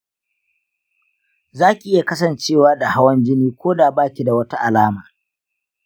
za ki iya kasancewa da hawan jini ko da ba ki da wata alama.